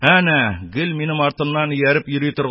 Әнә гел минем артымнан ияреп йөри торган